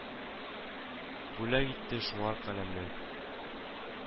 Бүләк итте шуңар Каләмне